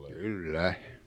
kyllä